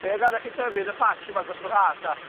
Be' o' ganach chi tyfu yn y patch yma drost yr Ha' 'ta?